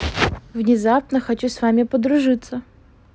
взаимно хочу с вами подружиться